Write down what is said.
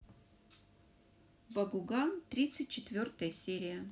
бакуган тридцать четвертая серия